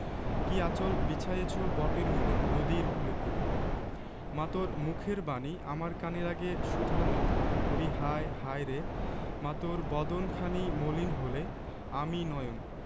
ঢাকা বিশ্ববিদ্যালয়ে অর্থনীতিতে অনার্স পরছি খুকি ক্লাস টেন এ আর খোকা সেভেন এ পড়ে ওদের ছেড়ে থাকতে খুব মন খারাপ করে ছুটিতে ওখানে বেড়াতে যাই আমাদের ক্যাম্পাসের এখন অনেক পরিবর্তন হয়েছে আপনি আবার আসলে